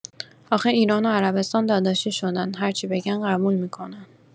آخه ایران عربستان داداشی شدن هرچی بگن قبول می‌کنن.